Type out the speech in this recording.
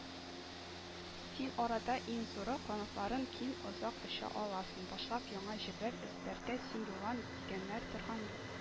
- син арада иң зуры, канатларың киң, озак оча аласың, башлап яңа җирләр эзләргә син юллан, - дигәннәр торган